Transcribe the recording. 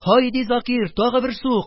- һайди, закир, тагы бер сук!